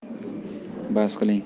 bas qiling